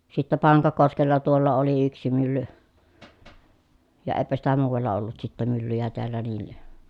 sitten Pankakoskella tuolla oli yksi mylly ja eipä sitä muualla ollut sitten myllyjä täällä näin